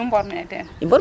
nu mborme'e teen?